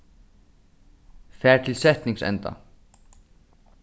far til setningsenda